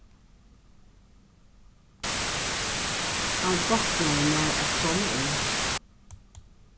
hann báknaði mær at koma inn